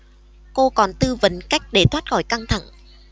cô còn tư vấn cách để thoát khỏi căng thẳng